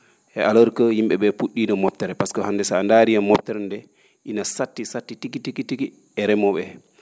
et alors que yim?e ?ee pu??iino mobtere pasque hannde so a ndaarii e mobtere ndee ina satti satti tigi tigi e remoo?e hee